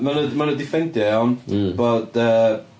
Maen nhw maen nhw 'di ffeindio, iawn... m-hm. ...bod yy...